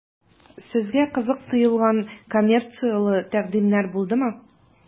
Сезгә кызык тоелган коммерцияле тәкъдимнәр булдымы?